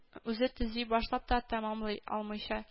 Үзе төзи башлап та тәмамлый алмыйча